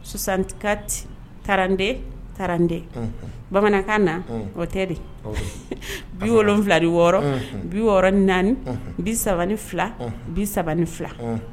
Kusanti taararande taararantɛ bamanankan na o tɛ de bi wolon wɔɔrɔ bi wɔɔrɔɔrɔn ni naani bi3 ni fila bi3 ni fila